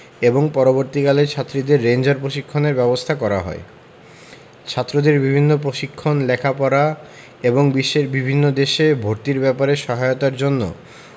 এবং পরবর্তীকালে ছাত্রীদের রেঞ্জার প্রশিক্ষণের ব্যবস্থা করা হয় ছাত্রদের বিভিন্ন প্রশিক্ষণ লেখাপড়া এবং বিশ্বের বিভিন্ন দেশে ভর্তির ব্যাপারে সহায়তার জন্য